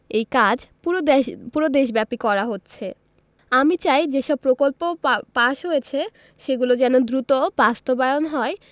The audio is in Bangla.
এই কাজ পুরো দেশব্যাপী করা হচ্ছে আমি চাই যেসব প্রকল্প পাস হয়েছে সেগুলো যেন দ্রুত বাস্তবায়ন হয়